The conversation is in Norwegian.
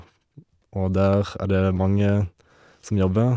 Og der er det mange som jobber.